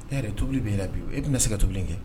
E yɛrɛ tobili b bɛ la bi e bɛna se ka to kɛ